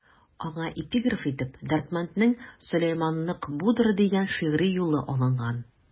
Аңа эпиграф итеп Дәрдмәнднең «Сөләйманлык будыр» дигән шигъри юлы алынган.